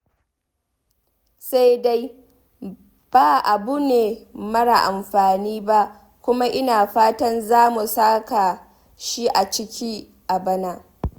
Sai dai ba abu ne mara amfani ba kuma ina fatan za mu saka shi a ciki a bana!